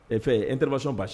Ɛ fɛ n teri ma sɔn baasi